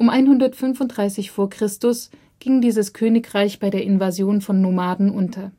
135 v. Chr. ging dieses Königreich bei der Invasion von Nomaden unter